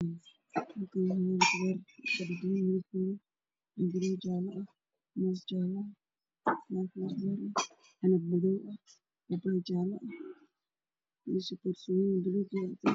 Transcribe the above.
Waa miis ka waxaa saaran khudaar masleyn ambey waana teendho qof ayaa gadaayo